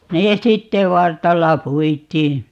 ne sitten vartalla puitiin